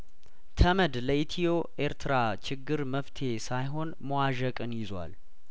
ተመድ ለኢትዮ ኤርትራ ችግር መፍትሄ ሳይሆን መዋዠቅን ይዟል